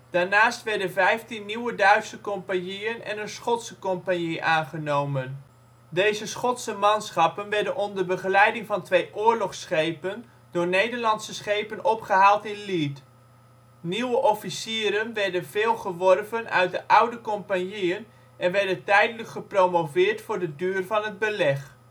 daarnaast werden vijftien nieuwe Duitse compagnieën en een Schotse compagnie aangenomen. Deze Schotse manschappen werden onder begeleiding van twee oorlogsschepen door Nederlandse schepen opgehaald in Leith. Nieuwe officieren werden veel geworven uit de oude compagnieën en werden tijdelijk gepromoveerd voor de duur van het beleg